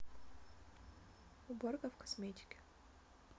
уборка в косметике